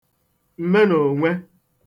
m̀menònwe